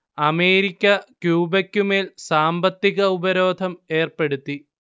America ക്യൂബക്കുമേൽ സാമ്പത്തിക ഉപരോധം ഏർപ്പെടുത്തി